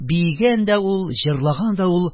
Биегән дә ул, җырлаган да ул,